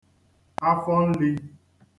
afọ n̄lī